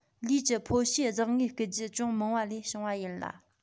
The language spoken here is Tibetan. ལུས ཀྱི ཕོ གཤིས གཟགས དངོས སྐུལ རྒྱུ ཅུང མང བ ལས བྱུང བ ཡིན ལ